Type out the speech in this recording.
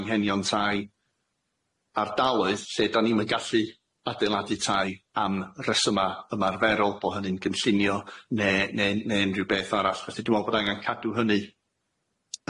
anghenion tai ardaloedd lle da ni'm yn gallu adeiladu tai am rhesyma ymarferol bo' hynny'n cynllunio ne ne ne unrhyw beth arall felly dwi me'wl bod angan cadw hynny,